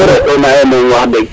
*